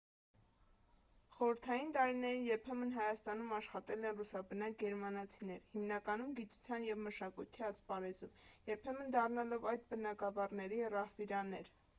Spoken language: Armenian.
Խորհրդային տարիներին երբեմն Հայաստանում աշխատել են ռուսաբնակ գերմանացիներ, հիմնականում գիտության և մշակույթի ասպարեզում՝ երբեմն դառնալով այդ բնագավառների ռահվիրաներ։